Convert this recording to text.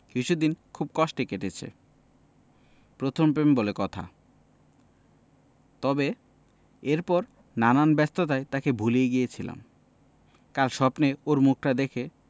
কিছুদিন খুব কষ্টে কেটেছে প্রথম প্রেম বলে কথা তবে এরপর নানান ব্যস্ততায় তাকে ভুলেই গিয়েছিলাম কাল স্বপ্নে ওর মুখটা দেখে